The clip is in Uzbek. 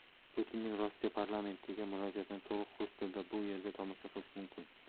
putinning rossiya parlamentiga murojaatini to'liq rus tilida bu yerda tomosha qilish mumkin